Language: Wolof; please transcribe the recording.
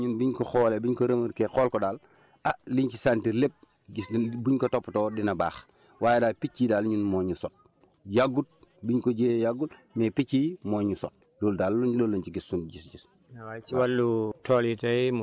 wax dëgg yàlla tuuti woon na nag waaye ñun biñ ko xoolee biñ ko remarquer xool ko daal ah liñ ci sentir lépp gis nañ buñ ko toppatoo dina baax waaye daal picc yi daal ñun moo ñu sot yàggut biñ ko jiyee yàggut mais picc yi moo ñu sot loolu daal loolu lañ ci gis suñ gis-gis